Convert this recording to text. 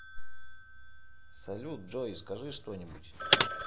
салют джой скажи что нибудь